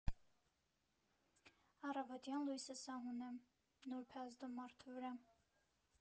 «Առավոտյան լույսը սահուն է, նուրբ է ազդում մարդու վրա։